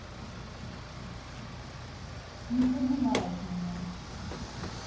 не понимает меня